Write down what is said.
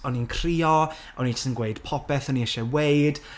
O'n i'n crio, o'n i jyst yn gweud popeth o'n i isie weud,